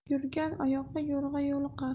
yurgan oyoqqa yo'rg'a yo'liqar